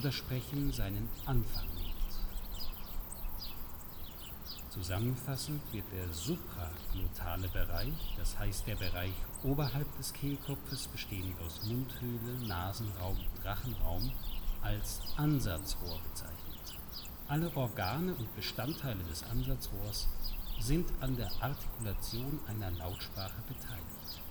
Sprechen seinen Anfang nimmt. Zusammenfassend wird der supraglottale Bereich, das heißt der Bereich oberhalb des Kehlkopfes bestehend aus Mundhöhle, Nasenraum und Rachenraum als Ansatzrohr bezeichnet. Alle Organe und Bestandteile des Ansatzrohrs sind an der Artikulation einer Lautsprache beteiligt